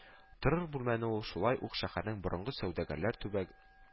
Торыр бүлмәне ул шулай ук шәһәрнең борынгы сәүдәгәрләр төбәк